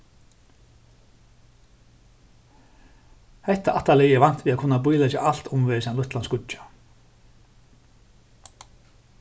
hetta ættarliðið er vant við at kunna bíleggja alt umvegis ein lítlan skíggja